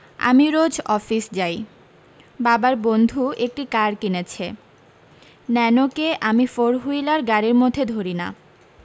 আমি রোজ অফিস যাই বাবার বন্ধু একটি কার কিনেছে ন্যানো কে আমি ফোর হুইলার গাড়ীর মধ্যে ধরি না